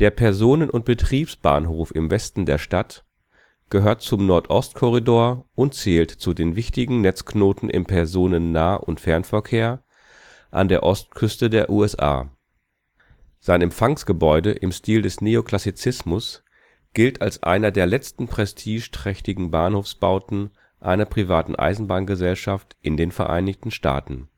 Personen - und Betriebsbahnhof im Westen der Stadt gehört zum Nordost-Korridor und zählt zu den wichtigen Netzknoten im Personennah - und - fernverkehr an der Ostküste der USA. Sein Empfangsgebäude im Stil des Neoklassizismus gilt als einer der letzten prestigeträchtigen Bahnhofsbauten einer privaten Eisenbahngesellschaft in den Vereinigten Staaten